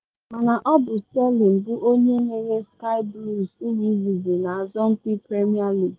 Mana ọ bụ Sterling bụ onye nyere Sky Blues uru izizi na asọmpi Premier League.